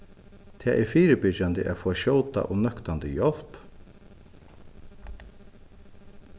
tað er fyribyrgjandi at fáa skjóta og nøktandi hjálp